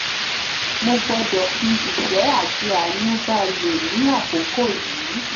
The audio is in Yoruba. Mo gbọ́dọ̀ fi ìfẹ́ àti àánú ba lo ní àkókò yí.